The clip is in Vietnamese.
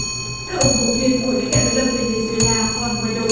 các ủng hộ viên của lãnh đạo đối lập vê nê dua la hoan goai đô